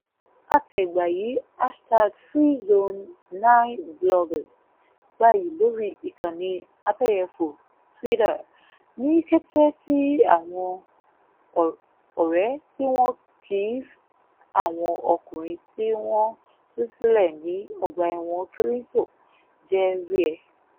Àtẹ̀gbayì #FreeZone9Bloggers gbayì lórí ìkànnì abẹ́yẹfò (Twitter) ní kété tí àwọn ọ̀rẹ́ tí wọ́n kí àwọn ọkùnrin tí wọ́n tú sílẹ̀ ní ọgbà ẹ̀wọ̀n Kilinto jẹ́ rí ẹ̀.